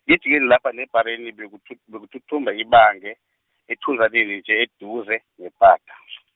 ngejikeni lapha nebhareni bekuthu- bekuthuthumba ibange, ethunzaneni nje eduze, nepata .